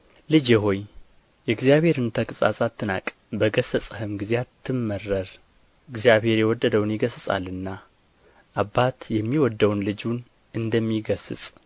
ልጄ ሆይ የእግዚአብሔርን ተግሣጽ አትናቅ በገሠጸህም ጊዜ አትመረር እግዚአብሔር የወደደውን ይገሥጻልና አባት የሚወድደውን ልጁን እንደሚገሥጽ